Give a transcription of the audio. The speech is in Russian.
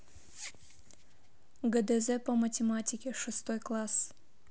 гдз по математике шестой класс